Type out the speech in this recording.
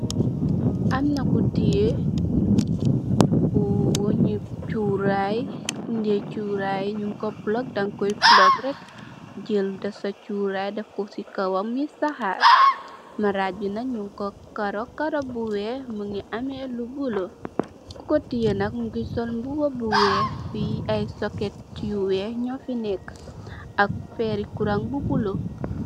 Amna ku tiyeh weungh nji churai bungh dae churai njung kor pluck, dankoi pluck rek jel def sa churai def kor cii kawam mui saharr, marajj bii nak njung kor kaaroh, kaaroh bu wekh, mungy ameh lu bleu, kukor tiyeh nak mungy sol mbuba bu wekh, fii aiiy socket yu wekh njur fii nek ak fehri kurang bu bleu.